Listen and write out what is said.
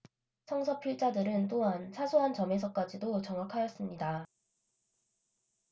성서 필자들은 또한 사소한 점에서까지도 정확하였습니다